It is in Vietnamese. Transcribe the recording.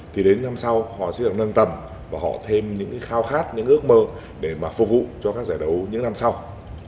thì đến năm sau họ sẽ được nâng tầm và họ thêm những khao khát những ước mơ để mà phục vụ cho các giải đấu những năm sau